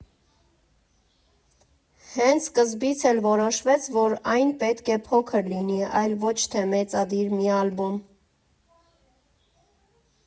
Հենց սկզբից էլ որոշվեց, որ այն պետք է փոքր լինի, այլ ոչ թե մեծադիր մի ալբոմ։